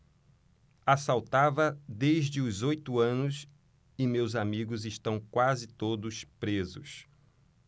assaltava desde os oito anos e meus amigos estão quase todos presos